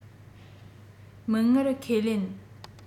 མིག སྔར ཁས ལེན